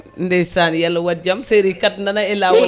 ndeysan yo Allah waat jaam séri 4 nana lawol